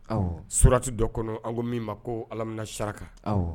Surati dɔ kɔnɔ an ko min ma ko alamina saka